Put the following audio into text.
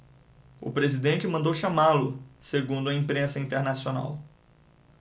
o presidente mandou chamá-lo segundo a imprensa internacional